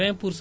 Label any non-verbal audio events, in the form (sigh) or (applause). (hesitation) (hesitation)